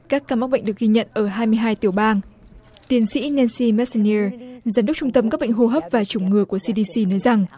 các ca mắc bệnh được ghi nhận ở hai mươi hai tiểu bang tiến sĩ nen xi mét xừn nia giám đốc trung tâm các bệnh hô hấp và chủng ngừa của xi đi xi nói rằng